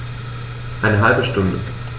Eine halbe Stunde